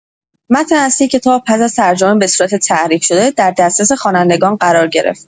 متن اصلی کتاب پس از ترجمه به صورت تحریف‌شده در دسترس خوانندگان قرار گرفت.